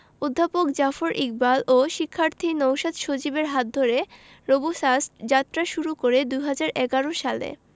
অধ্যাপক জাফর ইকবাল ও শিক্ষার্থী নওশাদ সজীবের হাত ধরে রোবোসাস্ট যাত্রা শুরু করে ২০১১ সালে